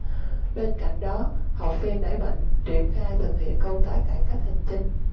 bên cạnh đó học viện đẩy mạnh triển khai thực hiện công tác cải cách hành chính